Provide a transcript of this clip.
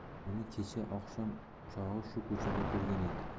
buni kecha oqshom chog'i shu ko'chada ko'rgan edi